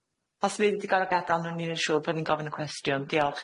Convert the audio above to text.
Os fydd digon o gadarn o'n i'n yn siŵr bo' ni'n gofyn y cwestiwn diolch.